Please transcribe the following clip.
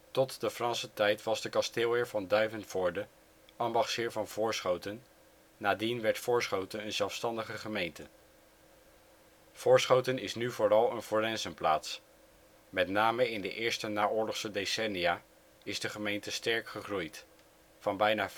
Tot de Franse tijd was de kasteelheer van Duivenvoorde ambachtsheer van Voorschoten, nadien werd Voorschoten een zelfstandige gemeente. Voorschoten is nu vooral een forensenplaats. Met name in de eerste naoorlogse decennia is de gemeente sterk gegroeid: van bijna